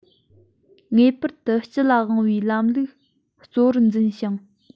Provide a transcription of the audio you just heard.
ངེས པར དུ སྤྱི ལ དབང བའི ལམ ལུགས གཙོ བོར འཛིན ཞིང